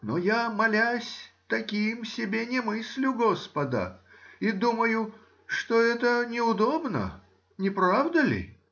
но я, молясь, таким себе не мыслю господа и думаю, что это неудобно? Не правда ли?